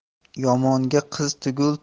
yomonga qiz tugul